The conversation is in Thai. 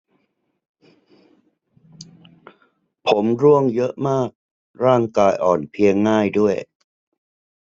ผมร่วงเยอะมากร่างกายอ่อนเพลียง่ายด้วย